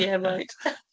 Yeah right!